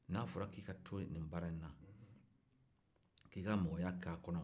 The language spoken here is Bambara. n'a fɔra k'i ka to in baara inna k'i ka mɔgɔya k'a kɔnɔ